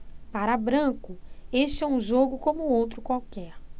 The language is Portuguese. para branco este é um jogo como outro qualquer